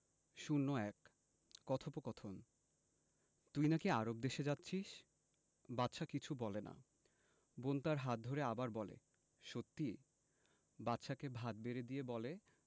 ০১ কথোপকথন তুই নাকি আরব দেশে যাচ্ছিস বাদশা কিছু বলে না বোন তার হাত ধরে আবার বলে সত্যি বাদশাকে ভাত বেড়ে দিয়ে বলে